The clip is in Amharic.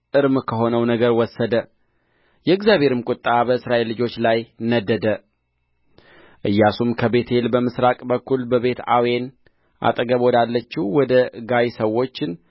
እርም ከሆነው ነገር ወሰደ የእግዚአብሔርም ቍጣ በእስራኤል ልጆች ላይ ነደደ ኢያሱም ከቤቴል በምሥራቅ በኩል በቤትአዌን አጠገብ ወዳለችው ወደ ጋይ ሰዎችን